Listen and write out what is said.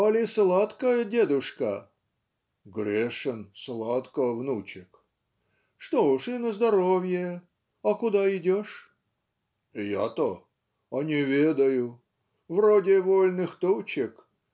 "Али сладко, дедушка?" - "Грешен: сладко, внучек". "Что ж, и на здоровье. А куда идешь?" "Я то? - А не ведаю. Вроде вольных тучек.